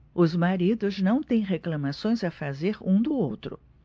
os maridos não têm reclamações a fazer um do outro